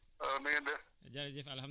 naka nga na nga def nag saa waay